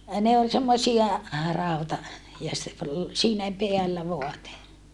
ne oli semmoisia - ja se oli siinä päällä vaate